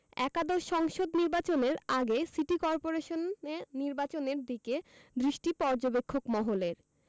একাদশ সংসদ নির্বাচনের আগে সিটি করপোরেশন নির্বাচনের দিকে দৃষ্টি পর্যবেক্ষক মহলের